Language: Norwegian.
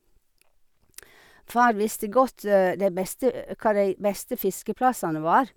Far visste godt de beste hvor de beste fiskeplassene var.